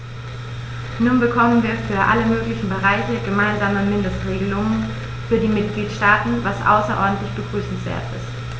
Nun bekommen wir für alle möglichen Bereiche gemeinsame Mindestregelungen für die Mitgliedstaaten, was außerordentlich begrüßenswert ist.